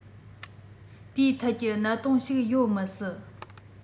དེའི ཐད ཀྱི གནད དོན ཞིག ཡོད མི སྲིད